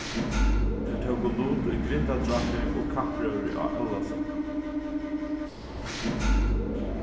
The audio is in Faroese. teir tóku lut í grindadrápi og kappróðri á ólavsøku